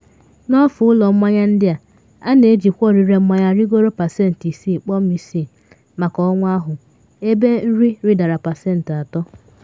N’ofe ụlọ mmanya ndị a na ejikwa ọrịre mmanya rịgoro pasentị 6.6 maka ọnwa ahụ, ebe nri rịdara pasenti atọ.”